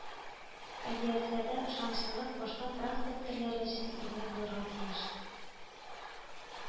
Авиациядә ышанычлылык башка транспорт төрләре өчен үрнәк булырга тиеш